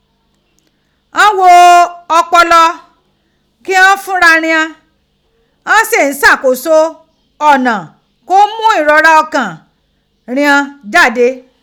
Ghan ń gho ọpọlọ tighan fúnra righan, ghan se ń ṣàkóso ọ̀nà kó ń mú ìrora ọkàn righan jáde.